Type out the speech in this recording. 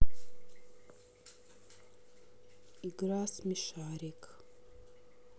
игра смешарик